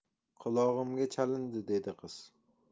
qulog'imga chalindi dedi qiz